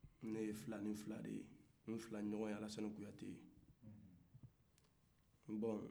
ne ye filani fila de ye nfilani ɲɔgɔ ye alasan kuyate bon